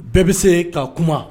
Bɛɛ bɛ se k kaa kuma